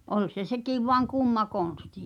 oli se sekin vain kumma konsti